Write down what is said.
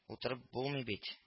Утырып булмый бит